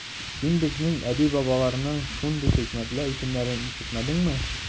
Син безнең әби-бабайларның шундый хикмәтле әйтемнәрен ишетмәдеңме?